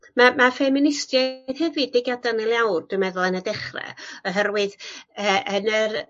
Ma' ma' ffeministiaid hefyd 'di gadal ni liawr dwi meddwl yn y dechre oherwydd yy yn yr